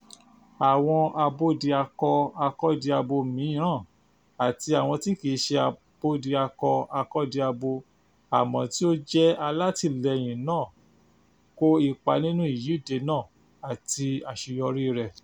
Àwọn Abódiakọ-akọ́diabo mìíràn àti àwọn tí kì í ṣe Abódiakọ-akọ́diabo àmọ́ tí ó jẹ́ alátìlẹ́yìn náà kó ipa nínú ìyíde náà àti àṣeyọríi rẹ̀.